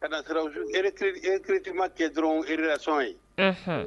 A kiiritima kɛ dɔrɔn erelasɔn ye